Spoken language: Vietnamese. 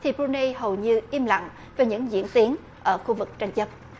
thì bu nây hầu như im lặng về những diễn tiến ở khu vực tranh chấp